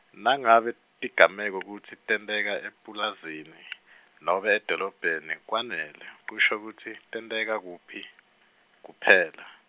nangabe tigameko kutsi tenteka epulazini, nobe edolobheni kwenele, kusho kutsi, tenteka kuphi, kuphela.